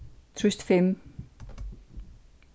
trýst fimm